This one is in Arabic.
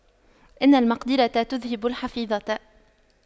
إن المقْدِرة تُذْهِبَ الحفيظة